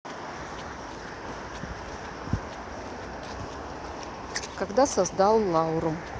когда создал лауру